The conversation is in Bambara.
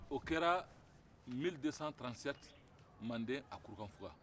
o kɛra san ba kelen ni kɛmɛ fila ni bi saba ani wolowula mande a kurukanfuga